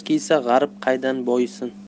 kiysa g'arib qaydan boyisin